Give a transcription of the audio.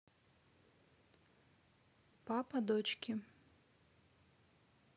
папа дочки